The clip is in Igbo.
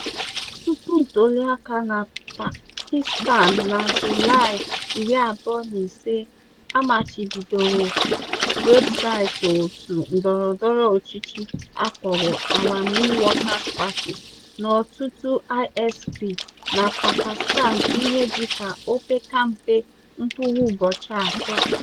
Tupu ntuliaka na Pakistan na Julaị 25, amachibidoro webụsaịtị òtù ndọrọndọrọ ọchịchị a kpọrọ Awami Workers Party n'ọtụtụ ISP na Pakistan ihe dị ka opekata mpe mkpụrụ ụbọchị atọ.